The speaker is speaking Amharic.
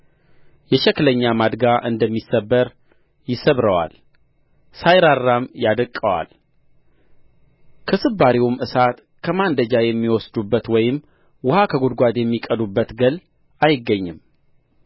የሸክለኛ ማድጋ እንደሚሰበር ይሰብረዋል ሳይራራም ያደቅቀዋል ከስባሪውም እሳት ከማንደጃ የሚወስዱበት ወይም ውኃ ከጕድጓድ የሚቀዱበት ገል አይገኝም